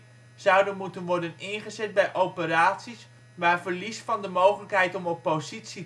zouden moeten worden ingezet bij operaties waar verlies van de mogelijkheid om op positie